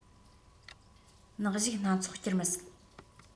ནག གཞུག སྣ ཚོགས བསྐྱུར མི སྲིད